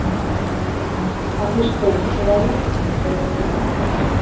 а ты что не человек